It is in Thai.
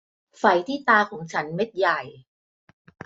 ไฝที่ตาของฉันเม็ดใหญ่